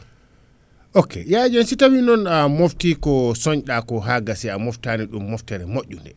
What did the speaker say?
ok Yaya Dieng so tawi noon a mofti ko sooñɗa ko ha gassi a moftani ɗum moftere moƴƴude